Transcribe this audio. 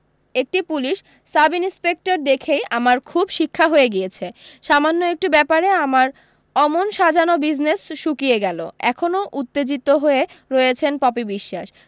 একটি police sub inspector দেখেই আমার খুব শিক্ষা হয়ে গিয়েছে সামান্য একটু ব্যাপারে আমার অমন সাজানো বিজনেস শুকিয়ে গেলো এখনও উত্তেজিত হয়ে রয়েছেন পপি বিশ্বাস